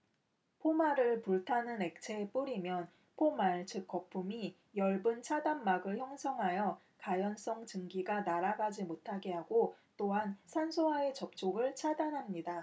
포말을 불타는 액체에 뿌리면 포말 즉 거품이 엷은 차단막을 형성하여 가연성 증기가 날아가지 못하게 하고 또한 산소와의 접촉을 차단합니다